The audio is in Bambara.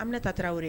An minɛ tataraw yɔrɔ